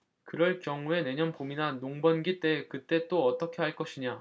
그럴 경우에 내년 봄이나 농번기 때 그때 또 어떻게 할 것이냐